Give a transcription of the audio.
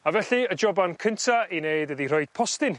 a felly y joban cynta i neud ydi rhoid postyn